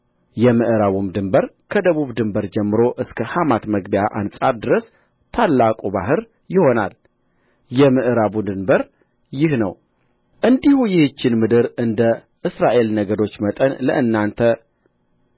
የምዕራቡም ድንበር ከደቡቡ ድንበር ጀምሮ እስከ ሐማት መግቢያ አንጻር ድረስ ታላቁ ባሕር ይሆናል የምዕራቡ ድንበር ይህ ነው እንዲሁ ይህችን ምድር እንደ እስራኤል ነገዶች መጠን ለእናንተ